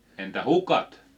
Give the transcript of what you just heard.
entä hukat